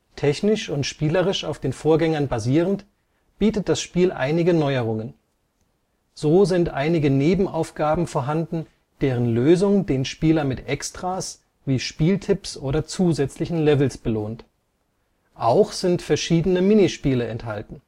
Technisch und spielerisch auf den Vorgängern basierend, bietet das Spiel einige Neuerungen. So sind einige Nebenaufgaben vorhanden, deren Lösung den Spieler mit Extras wie Spieltipps oder zusätzlichen Levels belohnt. Auch sind verschiedene Minispiele enthalten